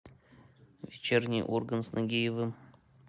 вечерний ургант с нагиевым